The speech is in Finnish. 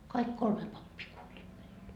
kaikki kolme pappia kuolivat meillä